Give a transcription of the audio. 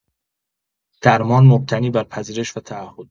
درمان مبتنی بر پذیرش و تعهد